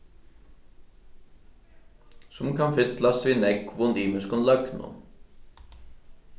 sum kann fyllast við nógvum ymiskum løgnum